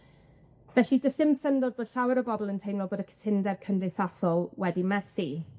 Felly, do's dim syndod bod llawer o bobol yn teimlo bod y cytundeb cymdeithasol wedi methu.